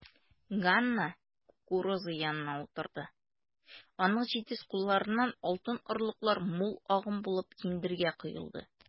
Ганна кукуруза янына утырды, аның җитез кулларыннан алтын орлыклар мул агым булып киндергә коелды.